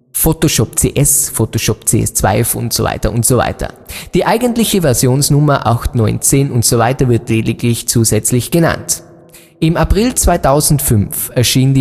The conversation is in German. Photoshop CS, Photoshop CS2, Photoshop CS3 usw.); die eigentliche Versionsnummer (8, 9, 10 usw.) wird lediglich zusätzlich genannt. Im April 2005 erschien